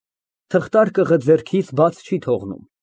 Թղթարկղը ձեռքից բաց չի թողնում։